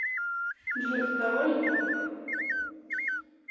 джой ты довольно глуп